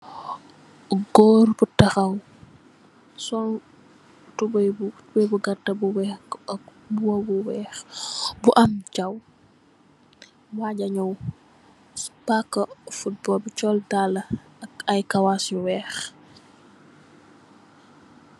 Goor bu taxaw sol Tubi bu gata bu weex ak mbuba bu weex bu am chaw waja nyow paka football bi sol daala ak ay kawas yu weex.